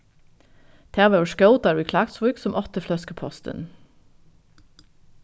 tað vóru skótar í klaksvík sum áttu fløskupostin